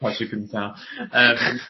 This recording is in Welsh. ... cynta. yym